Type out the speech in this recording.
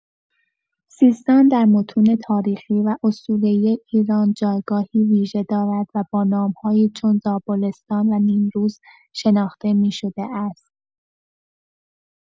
سیستان در متون تاریخی و اسطوره‌ای ایران جایگاهی ویژه دارد و با نام‌هایی چون زابلستان و نیمروز شناخته می‌شده است.